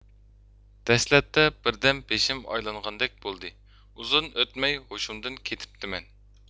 دەسلەپتە بىردەم بېشىم ئايلانغاندەك بولدى ئۇزۇن ئۆتمەي ھۇشۇمدىن كېتىپتىمەن